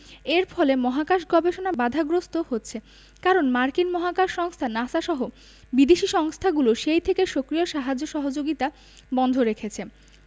এর ফলে মহাকাশ গবেষণা বাধাগ্রস্ত হচ্ছে কারণ মার্কিন মহাকাশ সংস্থা নাসা সহ বিদেশি সংস্থাগুলো সেই থেকে সক্রিয় সাহায্য সহযোগিতা বন্ধ রেখেছে